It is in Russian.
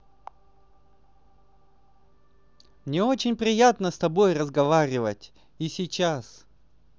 мне очень приятно с тобой разговаривать и сейчас